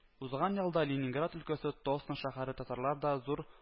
Узган ялда Ленинград өлкәсе Тосно шәһәре татарлары да зур